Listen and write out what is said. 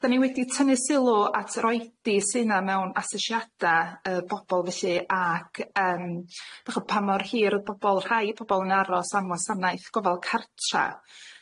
Da ni wedi tynnu sylw at yr oedi sy 'na mewn asesiada' y pobol felly ac yym d'ch'mo' pa mor hir o'dd bobol rhai pobol yn aros am wasanaeth gofal cartra.